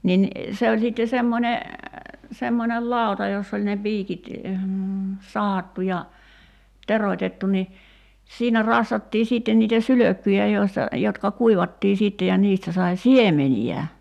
niin se oli sitten semmoinen semmoinen lauta jossa oli ne piikit sahattu ja teroitettu niin siinä rassattiin sitten niitä sylkkyjä joista jotka kuivattiin sitten ja niistä sai siemeniä